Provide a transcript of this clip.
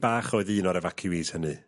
...bach oedd un o'r efaciwîs hynny.